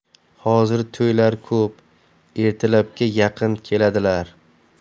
hozir to'ylari ko'p ertalabga yaqin keladilar